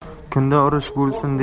kunda urush bo'lsin